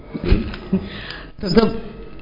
Ka